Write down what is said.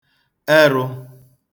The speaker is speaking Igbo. ẹrụ̄